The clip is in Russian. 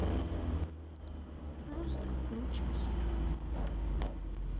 музыка круче всех